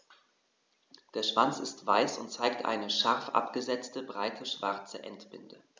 Der Schwanz ist weiß und zeigt eine scharf abgesetzte, breite schwarze Endbinde.